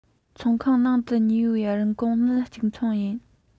ཚོང ཁང ནང དུ ཉོས པའི རིན གོང ནི གཅིག མཚུངས ཡིན